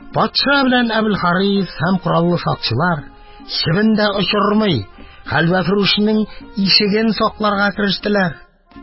Патша белән Әбелхарис һәм кораллы сакчылар, чебен дә очырмый, хәлвәфрүшнең ишеген сакларга керештеләр.